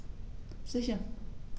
Sicher.